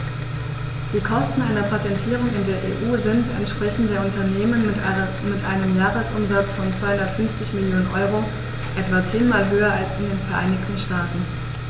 Die Kosten einer Patentierung in der EU sind, entsprechend der Unternehmen mit einem Jahresumsatz von 250 Mio. EUR, etwa zehnmal höher als in den Vereinigten Staaten.